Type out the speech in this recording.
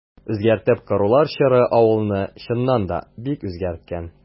Үзгәртеп корулар чоры авылны, чыннан да, бик үзгәрткән.